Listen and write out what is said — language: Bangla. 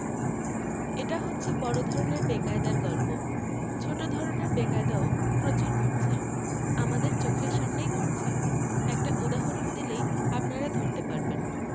এটা হচ্ছে বড় ধরনের বেকায়দার গল্প ছোট ধরনের বেকায়দাও প্রচুর ঘটছে আমাদের চোখের সামনেই ঘটছে একটা উদাহরণ দিলেই আপনারা ধরতে পারবেন